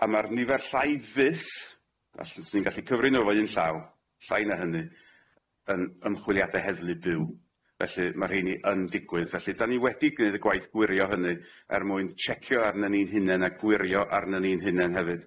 A ma'r nifer llai fyth felly swn i'n gallu cyfri n'w efo un llaw llai na hynny yn ymchwiliade heddlu byw felly ma'r rhein i yn digwydd felly da ni wedi gneud y gwaith gwirio hynny er mwyn tsiecio arnon ni'n hunen a gwirio arnon ni'n hunen hefyd.